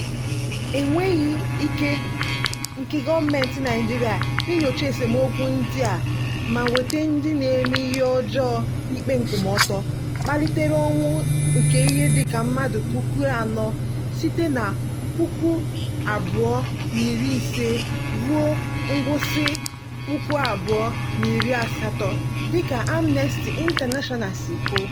Enweghị ike nke gọọmenti Naijirịa inyocha esemokwu ndị a ma "weta ndị na-eme ihe ọjọọ n'ikpe nkwụmọtọ" kpatara ọnwụ nke ihe dịka mmadụ 4,000 site na 2015 ruo ngwụsị 2018, dịka Amnesty International si kwuo.